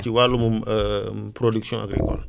ci wàllum production agricole